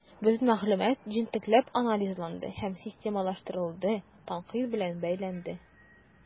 Бөтен мәгълүмат җентекләп анализланды һәм системалаштырылды, тәнкыйть белән бәяләнде.